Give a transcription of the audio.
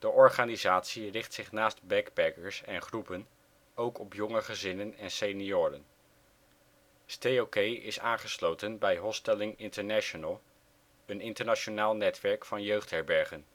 organisatie richt zich naast backpackers en groepen ook op jonge gezinnen en senioren. Stayokay is aangesloten bij Hostelling International, een internationaal netwerk van jeugdherbergen